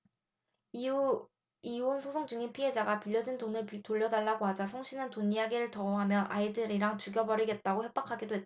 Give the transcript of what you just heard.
이후 이혼 소송중인 피해자가 빌려준 돈을 돌려달라고 하자 송씨는 돈 이야기를 더 하면 아이들이랑 죽여버리겠다고 협박하기도 했다